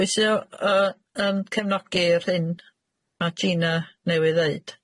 Pwy sy yy yn cefnogi'r hyn ma' Gina newydd ddeud?